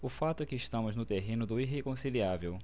o fato é que estamos no terreno do irreconciliável